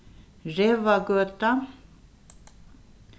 revagøta